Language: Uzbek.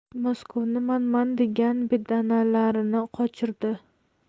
maskovni manman degan bedanalarini qochirdi